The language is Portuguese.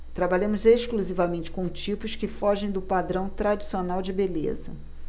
trabalhamos exclusivamente com tipos que fogem do padrão tradicional de beleza